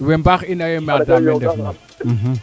we mbaax ina wey maada meen ndef na